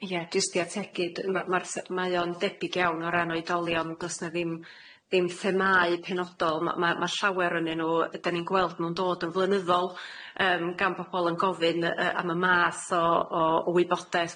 Ie jyst i ategu ma' ma'r the- mae o'n debyg iawn o ran oedolion do's na ddim ddim themau penodol ma' ma' ma' llawer onnyn nw ydyn ni'n gweld nw'n dod yn flynyddol, yym gan pobol yn gofyn yy yy am y math o o wybodaeth,